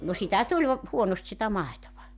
no sitä tuli huonosti sitä maitoa